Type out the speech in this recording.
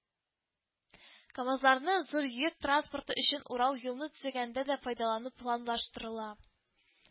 КамАЗларны зур йөк транспорты өчен урау юлны төзегәндә дә файдалану планлаштырыла